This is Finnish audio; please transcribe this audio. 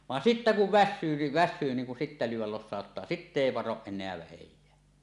vaan sitten kun väsyy niin väsyy niin kun sitten lyödä losauttaa sitten ei varo enää vähääkään